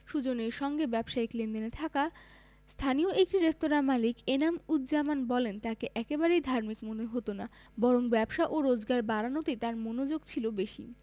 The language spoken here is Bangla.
সুজনের সঙ্গে ব্যবসায়িক লেনদেন থাকা স্থানীয় একটি রেস্তোরাঁর মালিক এনাম উজজামান বলেন তাঁকে একেবারেই ধার্মিক মনে হতো না বরং ব্যবসা ও রোজগার বাড়ানোতেই তাঁর মনোযোগ ছিল বেশি